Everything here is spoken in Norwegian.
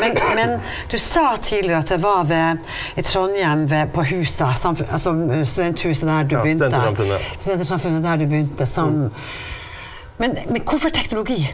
men men du sa tidligere at det var ved i Trondheim ved på husa altså studenthuset der du begynte Studentersamfundet der du begynte som, men men hvorfor teknologi?